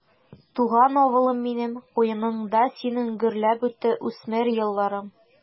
Туган авылым минем, куеныңда синең гөрләп үтте үсмер елларым.